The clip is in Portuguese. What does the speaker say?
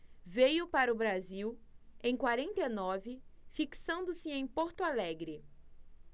veio para o brasil em quarenta e nove fixando-se em porto alegre